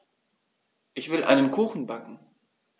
Ich will einen Kuchen backen.